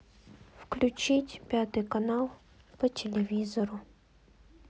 включить пятый канал по телевизору